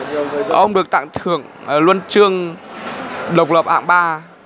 ông được tặng thưởng huân chương độc lập hạng ba